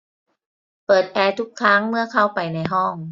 เปิดแอร์ทุกครั้งเมื่อเข้าไปในห้อง